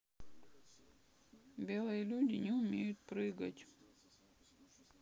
белые люди не умеют прыгать